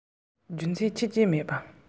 རྒྱུ མཚན མེད པར